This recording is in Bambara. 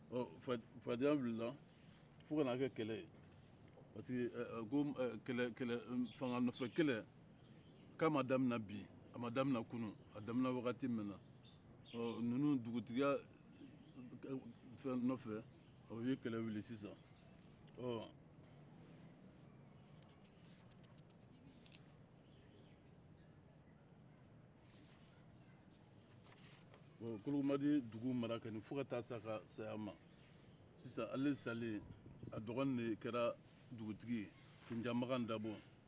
ko eee eee kɛlɛ-kɛlɛ fanga nɔfɛ kɛlɛ k'a ma daminɛ bi a ma daminɛ kunun a daminɛ wagati mɛna bɔn ninnu dugutigiya fɛn nɔfɛ o ye kɛlɛ wuli sisan ɔn ɔ kologomadi ye dugu mara fo ka taa se a ka saya ma sisan ale salen a dɔgɔnin de kɛra dugutigi ye kunjamagan dabo